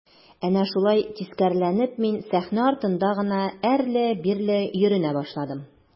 Әнә шулай тискәреләнеп мин сәхнә артында гына әрле-бирле йөренә башладым.